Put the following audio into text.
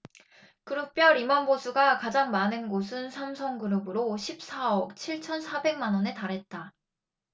그룹별 임원 보수가 가장 많은 곳은 삼성그룹으로 십 사 억 칠 천 사백 만원에 달했다